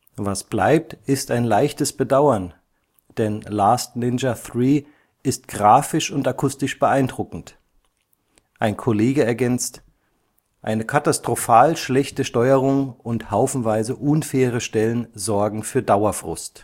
Was bleibt ist ein leichtes Bedauern, denn Last Ninja III ist grafisch und akustisch beeindruckend. “Ein Kollege ergänzt: „ Eine katastrophal schlechte Steuerung und haufenweise unfaire Stellen sorgen für Dauerfrust